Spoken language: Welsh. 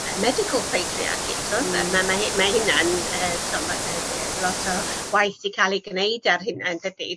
yy medical patriarchy t'wo'? Yy ma' ma' hy- ma' hynna'n yy t'wo' by- yy yy lot o waith 'di ca'l 'i gneud ar hynn yndydi?